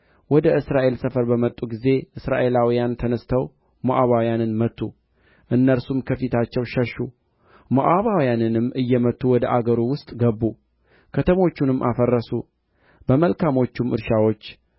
ሞዓባውያንም በፊታቸው ውኃው እንደ ደም ቀልቶ አዩና ይህ ደም ነው በእርግጥ ነገሥታት እርስ በርሳቸው ተዋጉ እርስ በርሳቸውም ተጋደሉ ሞዓብ ሆይ እንግዲህ ወደ ምርኮህ ሂድ አሉ